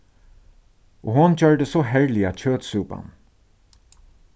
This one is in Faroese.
og hon gjørdi so herliga kjøtsúpan